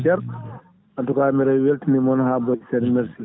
ceer en tout cas mbiɗa weltanino on ɓooy seeɗa merci